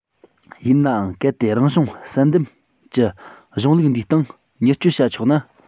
ཡིན ནའང གལ ཏེ རང བྱུང བསལ འདེམས ཀྱི གཞུང ལུགས འདིའི སྟེང ཉེར སྤྱོད བྱ ཆོག ན